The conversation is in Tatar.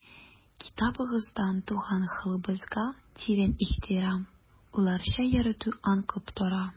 Китабыгыздан туган халкыбызга тирән ихтирам, улларча ярату аңкып тора.